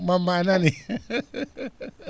Mamma a nanii